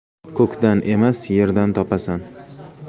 ko'kdan emas yerdan topasan